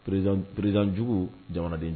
Purz prezjugu jamanaden